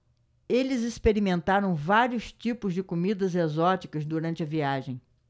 eles experimentaram vários tipos de comidas exóticas durante a viagem